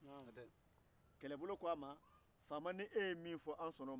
kɛlɛbolo ko a ma faama n'e ye min fɔ an sɔnnen don o ma